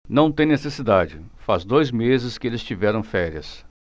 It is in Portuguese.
não tem necessidade faz dois meses que eles tiveram férias